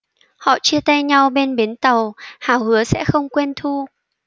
họ chia tay nhau bên bến tàu hảo hứa sẽ không quên thu